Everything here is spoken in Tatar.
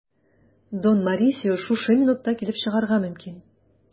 Дон Морисио шушы минутта килеп чыгарга мөмкин.